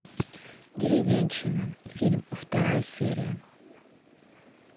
деревенщина фильм вторая серия